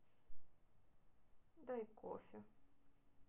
дай кофе